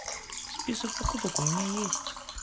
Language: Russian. список покупок у меня есть